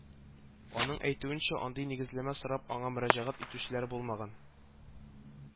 Аның әйтүенчә, андый нигезләмә сорап аңа мөрәҗәгать итүчеләр булмаган